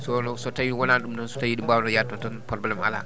sono so tawi wonani ɗum ɗon so tawi ɗi mbawno yaade toon tan probléme ala